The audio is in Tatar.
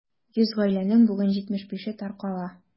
100 гаиләнең бүген 75-е таркала.